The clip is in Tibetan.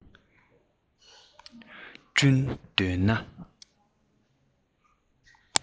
བསྐྲུན འདོད ན